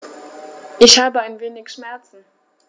Ich habe ein wenig Schmerzen.